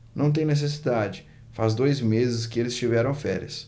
não tem necessidade faz dois meses que eles tiveram férias